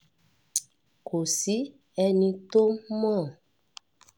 Kò sí ẹni tó mọ̀.